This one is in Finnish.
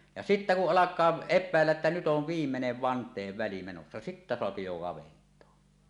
ja sitten kun alkaa epäillä että nyt on viimeinen vanteenväli menossa sitten saa jo kaventaa